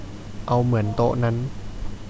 เอาเหมือนโต๊ะนั้น